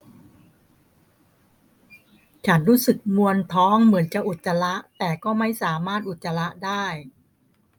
ฉันรู้สึกมวนท้องเหมือนจะอุจจาระแต่ก็ไม่สามารถอุจจาระได้